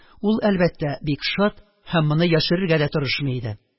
Ул, әлбәттә, бик шат һәм моны яшерергә дә тырышмый иде